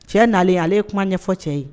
Cɛ nalen ale ye kuma ɲɛfɔ cɛ ye